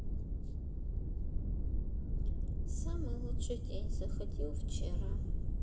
самый лучший день заходил вчера